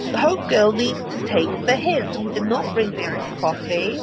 Home girl needs to take the hint. He did not bring the iced coffee.